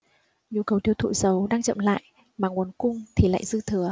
nhu cầu tiêu thụ dầu đang chậm lại mà nguồn cung thì lại dư thừa